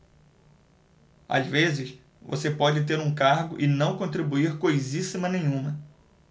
às vezes você pode ter um cargo e não contribuir coisíssima nenhuma